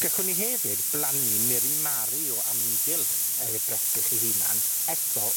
Gallwn ni hefyd blannu miri mari o amgylch y bresych eu hunan, eto